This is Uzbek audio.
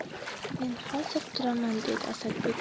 men hozir turaman dedi asadbek